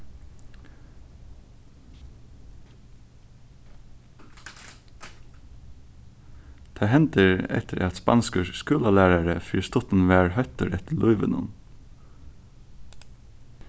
tað hendir eftir at spanskur skúlalærari fyri stuttum varð hóttur eftir lívinum